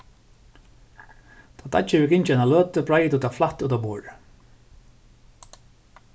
tá deiggið hevur gingið eina løtu breiðir tú tað flatt út á borðið